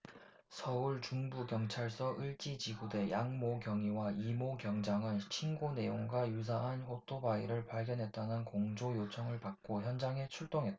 서울중부경찰서 을지지구대 양모 경위와 이모 경장은 신고 내용과 유사한 오토바이를 발견했다는 공조 요청을 받고 현장에 출동했다